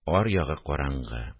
Аръягы караңгы